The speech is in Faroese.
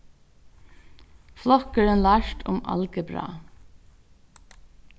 flokkurin lært um algebra